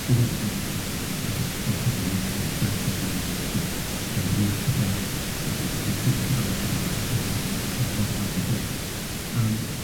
Ma' hwn 'di bod yn mynd mlaen ers dros ugen mlynedd, ers saithdeg mlynedd wrth gwrs efo'r NACBA yym a dwi siŵr pawb fama yn gyfarwydd efo'r hanes yna. Yym.